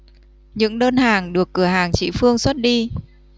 những đơn hàng được cửa hàng chị phương xuất đi